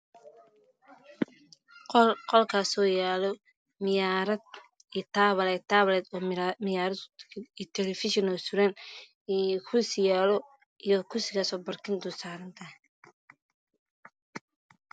Qol oo yaala muyaarad iyo kursidulsaaran thy